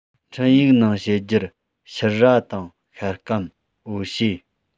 འཕྲིན ཡིག ནང བཤད རྒྱུར ཕྱུར ར དང ཤ སྐམ འོ ཕྱེ